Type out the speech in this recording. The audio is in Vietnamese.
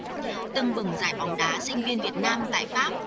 tưng bừng giải bóng đá sinh viên việt nam tại pháp